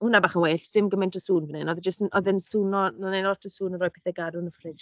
Hwnna bach yn well, 'sdim gymaint o sŵn fan hyn. Oedd e jyst yn... oedd e'n swno'n... oedd e'n wneud lot o sŵn yn rhoi pethau gadw yn y ffrij.